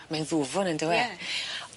Mae'n ddwfwn on'd yw e? Ie.